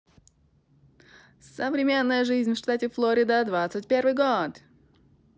современная жизнь в штате флорида двадцать первый год